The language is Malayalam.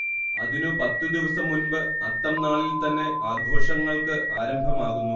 അതിനു പത്തു ദിവസം മുൻപ് അത്തം നാളിൽ തന്നെ ആഘോഷങ്ങൾക്ക് ആരംഭമാകുന്നു